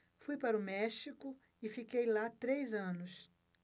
fui para o méxico e fiquei lá três anos